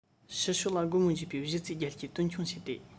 ཕྱི ཕྱོགས ལ སྒོ མོ འབྱེད པའི གཞི རྩའི རྒྱལ ཇུས རྒྱུན འཁྱོངས བྱས ཏེ